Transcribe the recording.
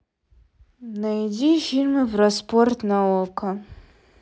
найди фильмы про спорт на окко